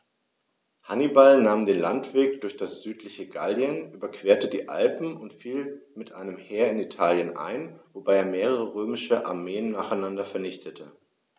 Hannibal nahm den Landweg durch das südliche Gallien, überquerte die Alpen und fiel mit einem Heer in Italien ein, wobei er mehrere römische Armeen nacheinander vernichtete.